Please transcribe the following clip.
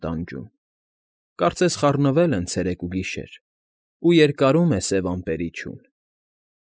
Տանջում, Կարծես խառնվել են ցերեկ ու գիշեր Ու երկարում է սև ամպերի չուն։